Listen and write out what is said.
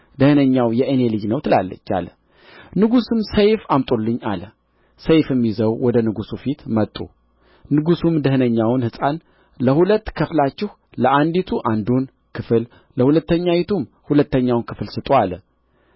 ደኅነኛውም የእኔ ልጅ ነው ትላለች አለ ንጉሡም ሰይፍ አምጡልኝ አለ ሰይፍም ይዘው ወደ ንጉሡ ፊት መጡ ንጉሡም ደኅነኛውን ሕፃን ለሁለት ከፍላችሁ ለአንዲቱ አንዱን ክፍል ለሁለተኛይቱም ሁለተኛውን ክፍል ስጡ አለ